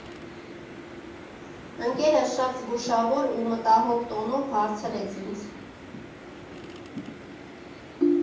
Ընկերս շատ զգուշավոր ու մտահոգ տոնով հարցրեց ինձ.